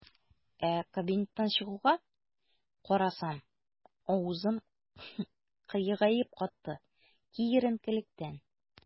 Ә кабинеттан чыгуга, карасам - авызым кыегаеп катты, киеренкелектән.